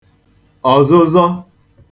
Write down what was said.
ọ̀zụzọ